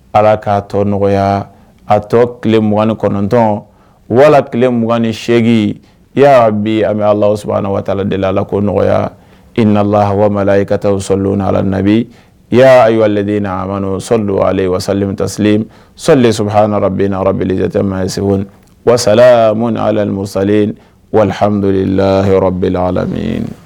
Ala k ka tɔ nɔgɔya a tɔ tile m 2 kɔnɔntɔn wala tilele 28egin y'a bi a bɛ ala waatila dela ala la ko nɔgɔya i nalala i ka taa sɔdon ala na bi i y yaa de na a sɔ donsa bɛlen sɔ de saba ha bɛ natɛ segu walasasala mu ni ala ni musa wamdula yɔrɔ